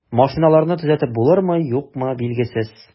Машиналарны төзәтеп булырмы, юкмы, билгесез.